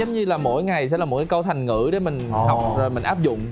giống như là mỗi ngày sẽ là mỗi câu thành ngữ để mình học rồi mình áp dụng